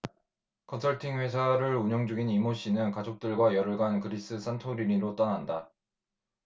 컨설팅 회사를 운영 중인 이 모 씨는 가족들과 열흘간 그리스 산토리니로 떠난다